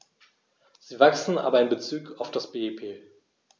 Sie wachsen, aber in bezug auf das BIP.